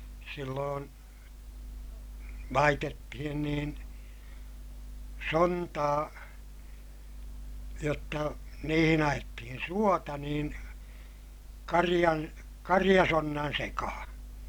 silloin laitettiin niin sontaa jotta niihin ajettiin suota niin karjan karjasonnan sekaan